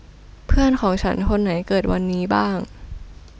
เพื่อนของฉันคนไหนเกิดวันนี้บ้าง